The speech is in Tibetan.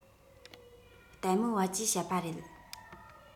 ལྟད མོ བ ཅེས བཤད པ རེད